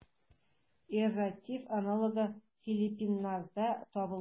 Эрратив аналогы филиппиннарда табылды.